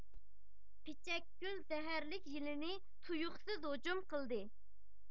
پىچەكگۈل زەھەرلىك يىلىنى تۇيۇقسىز ھۇجۇم قىلدى